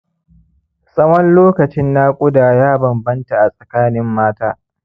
tsawon lokacin naƙuda ya bam-banta a tsakanin mata